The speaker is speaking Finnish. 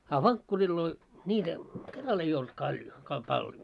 a vankkureilla niitä kerralla ei ollut kaljon -- paljon